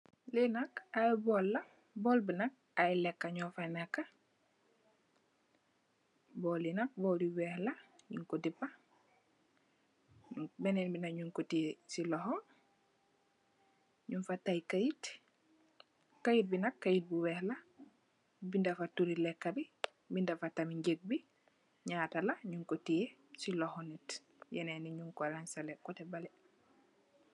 Lii nak aiiy borl la, borl bii nak aiiy lehkah njur fa neka, borl yii nak borli wekh la njung kor dehpah, benen bii nak njung kor tiyeh cii lokhor, njung fa teii keit, keit bii nak keit bu wekh la, binda fa turi lehkah bii, binda fa tam njek bii njatala njung kor tiyeh cii lokhor nitt yenen yii njung kor raanzaleh coteh behleh.